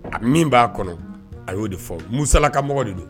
A min b'a kɔnɔ a y'o de fɔ musala ka mɔgɔ de don